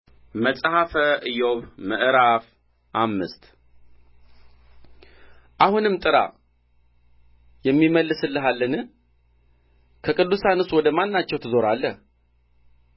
መጽሐፈ ኢዮብ ምዕራፍ አምስት አሁንም ጥራ የሚመልስልህ አለን ከቅዱሳንስ ወደማናቸው ትዞራለህ